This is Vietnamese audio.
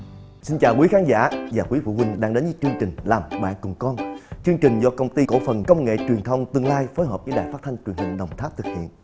xin chào quý khán giả và quý phụ huynh đang đến với chương trình làm bạn cùng con chương trình do công ty cổ phần công nghệ truyền thông tương lai phối hợp với đài phát thanh truyền hình đồng tháp thực hiện